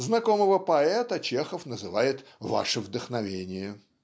Знакомого поэта Чехов называет: "Ваше Вдохновение".